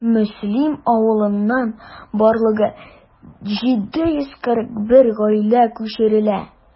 Мөслим авылыннан барлыгы 741 гаилә күчерелә.